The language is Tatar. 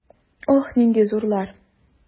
Ох, нинди зурлар!